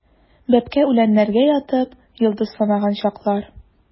Бәбкә үләннәргә ятып, йолдыз санаган чаклар.